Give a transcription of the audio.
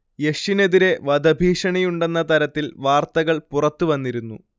യഷിനെതിരേ വധഭീഷണിയുണ്ടെന്ന തരത്തിൽ വാർത്തകൾ പുറത്ത് വന്നിരുന്നു